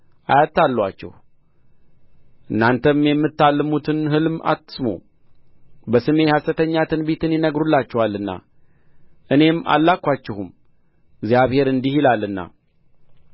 አያታልሉአችሁ እናንተም የምታልሙትን ሕልም አትስሙ በስሜ ሐሰተኛ ትንቢትን ይናገሩላችኋልና እኔም አልላክኋቸውም እግዚአብሔር እንዲህ ይላልና